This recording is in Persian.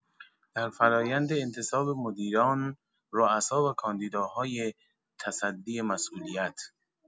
در فرایند انتصاب مدیران، روسا و کاندیداهای تصدی مسئولیت